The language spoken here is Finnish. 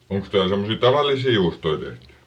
onkos täällä semmoisia tavallisia juustoja tehty